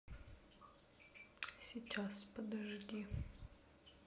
сейчас подожди